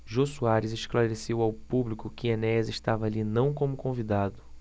jô soares esclareceu ao público que enéas estava ali não como convidado